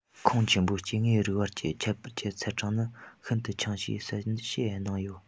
ཁོངས ཆེན པོའི སྐྱེ དངོས རིགས བར གྱི ཁྱད པར གྱི ཚད གྲངས ནི ཤིན ཏུ ཆུང ཞེས གསལ བཤད གནང མྱོང